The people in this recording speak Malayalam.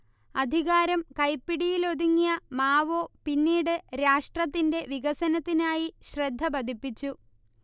അധികാരം കൈപ്പിടിയിലൊതുങ്ങിയ മാവോ പിന്നീട് രാഷ്ട്രത്തിന്റെ വികസനത്തിനായി ശ്രദ്ധ പതിപ്പിച്ചു